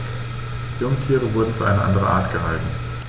Jungtiere wurden für eine andere Art gehalten.